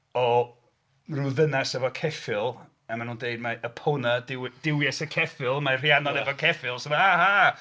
..o ryw ddynes efo ceffyl, a maen nhw'n dweud mae Epona duw- duwies y ceffyl, mae Rhiannon efo ceffyl so; "Aha!"